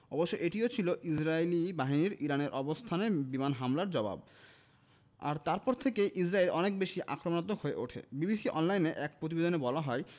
অবশ্য এটিও ছিল ইসরায়েলি বাহিনীর ইরানের অবস্থানে বিমান হামলার জবাব আর তারপর থেকেই ইসরায়েল অনেক বেশি আক্রমণাত্মক হয়ে ওঠে বিবিসি অনলাইনের এক প্রতিবেদনে বলা হয়